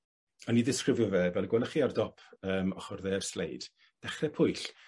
yn 'i ddisgrifio fe fel gwelwch chi ar dop yym ochor dde'r sleid, dechre Pwyll